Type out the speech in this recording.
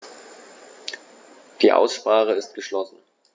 Die Aussprache ist geschlossen.